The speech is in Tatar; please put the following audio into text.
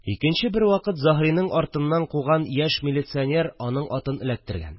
Икенче бервакыт Заһриның артыннан куган яшь милиционер аның атын эләктергән